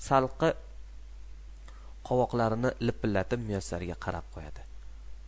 salqi qovoqlarini lipillatib muyassarga qarab qo'yadi